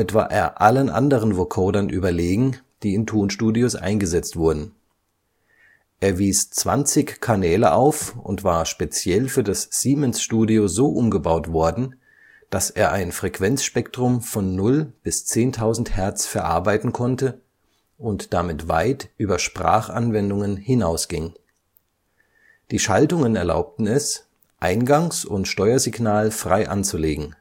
war er allen anderen Vocodern überlegen, die in Tonstudios eingesetzt wurden. Er wies 20 Kanäle auf und war speziell für das Siemens-Studio so umgebaut worden, dass er ein Frequenzspektrum von 0 bis 10.000 Hertz verarbeiten konnte und damit weit über Sprachanwendungen hinausging. Die Schaltungen erlaubten es, Eingangs - und Steuersignal frei anzulegen